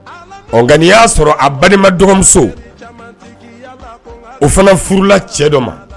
Ɔ n ka nin y'a sɔrɔ a balima dɔgɔmuso o fana furula cɛ dɔ ma!